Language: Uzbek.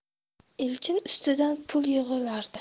elchin ustidan pul yog'ilardi